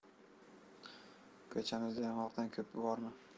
ko'chamizda yong'oqdan ko'pi bormi